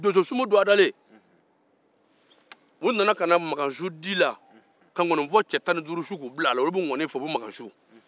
u nana ka na makan su fi la ka nkɔnifɔcɛ tan ni duuru su k'u bila a la